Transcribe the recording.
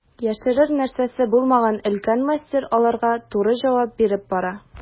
Яшерер нәрсәсе булмаган өлкән мастер аларга туры җавап биреп бара.